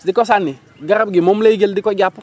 di ko sànni garab gi moom lay jël di ko jàpp